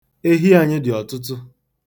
Ehi anyị dị ọtụtụ.